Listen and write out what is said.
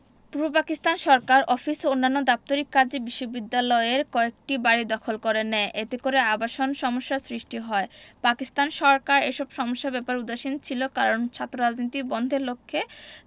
পূর্ব পাকিস্তান সরকার অফিস ও অন্যান্য দাপ্তরিক কাজে বিশ্ববিদ্যালয়ের কয়েকটি বাড়ি দখল করে নেয় এতে করে আবাসন সমস্যার সৃষ্টি হয় পাকিস্তান সরকার এসব সমস্যার ব্যাপারে উদাসীন ছিল কারণ ছাত্ররাজনীতি বন্ধের লক্ষ্যে